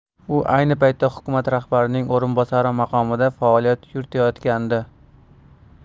u ayni paytda hukumat rahbarining o'rinbosari maqomida faoliyat yuritayotgandi